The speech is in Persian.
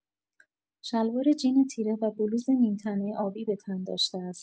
شلوار جین تیره و بلوز نیم‌تنه آبی به تن داشته است.